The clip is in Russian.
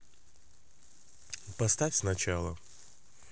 поставь сначала